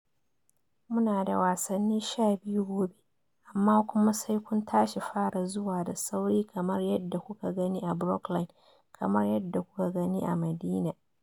"Mu na da wasanni 12 gobe, amma kuma sai kun tashi fara zuwa da sauri kamar yadda kuka gani a Brookline, kamar yadda kuka gani a Medinah.